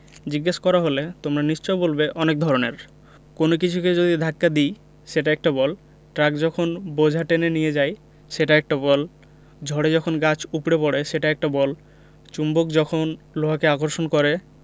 জিজ্ঞেস করা হলে তোমরা নিশ্চয়ই বলবে অনেক ধরনের কোনো কিছুকে যদি ধাক্কা দিই সেটা একটা বল ট্রাক যখন বোঝা টেনে নিয়ে যায় সেটা একটা বল ঝড়ে যখন গাছ উপড়ে পড়ে সেটা একটা বল চুম্বক যখন লোহাকে আকর্ষণ করে